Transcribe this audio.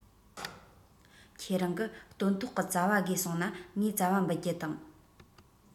ཁྱེད རང གི སྟོན ཐོག གི ཙ བ དགོས གསུངས ན ངས ཙ བ འབུལ རྒྱུ དང